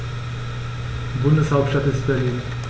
Bundeshauptstadt ist Berlin.